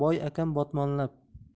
boy akam botmonlab